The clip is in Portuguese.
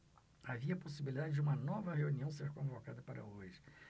havia possibilidade de uma nova reunião ser convocada para hoje